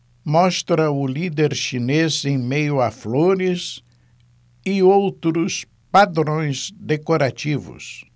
mostra o líder chinês em meio a flores e outros padrões decorativos